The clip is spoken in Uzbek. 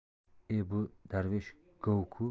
e bu darvesh gov ku